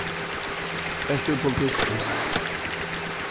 ert tú politistur